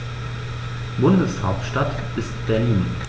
Bundeshauptstadt ist Berlin.